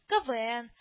“кэвээн”